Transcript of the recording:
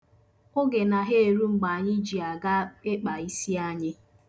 Oge naha eru mgbe anyị ji aga ịkpa isi anyị.